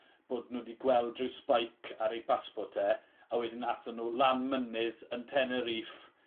bod n'w 'di gweld ryw spike ar ei basbort e a wedyn athon n'w lan mynydd yn Tenerife